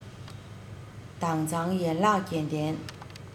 དྭངས གཙང ཡན ལག བརྒྱད ལྡན